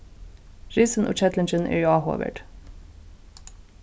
risin og kellingin eru áhugaverd